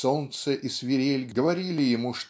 солнце и свирель говорили ему